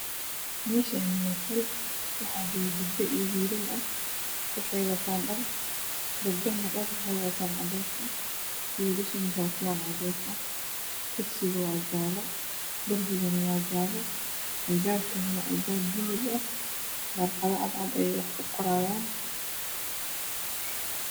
Meeshaani waa qol waxaa jooga gabdho iyo wiilal waxay wataan dhar gabdhahana waxay wataan dhar cadays ah wiilashana shatiyaal cadeys ah kursiga waa jalo darbigana waa jaalo albabakana waa albaab buluug ah warqado cad cad ayey u qor qorayaan